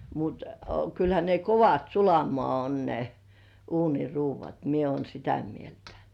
mutta kyllähän ne kovat sulamaan on ne uuniruoat minä olen sitä mieltä